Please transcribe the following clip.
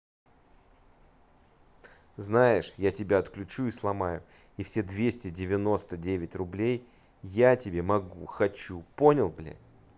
знаешь я тебя отключу и сломаю и все двести девяносто девять рублей я тебе могу хочу понял блядь